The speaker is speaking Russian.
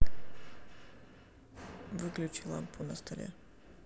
выключи лампу на столе